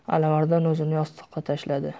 alimardon o'zini yostiqqa tashladi